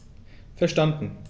Verstanden.